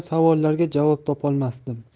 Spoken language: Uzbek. savollarga javob topolmasdim